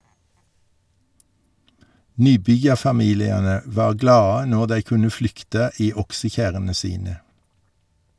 Nybyggjarfamiliane var glade når dei kunne flykta i oksekjerrene sine.